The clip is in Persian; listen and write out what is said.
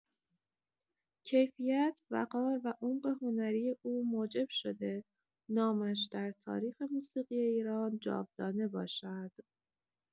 کیفیت، وقار و عمق هنری او موجب شده نامش در تاریخ موسیقی ایران جاودانه باشد.